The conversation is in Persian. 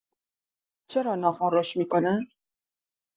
چرا ناخن رشد می‌کنه؟